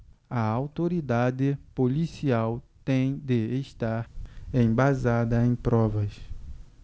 a autoridade policial tem de estar embasada em provas